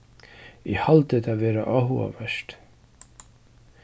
eg haldi tað vera áhugavert